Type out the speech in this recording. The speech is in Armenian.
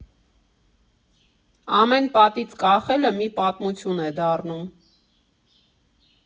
Ամեն պատից կախելը մի պատմություն է դառնում։